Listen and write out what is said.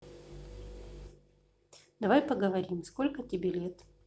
давай поговорим сколько тебе лет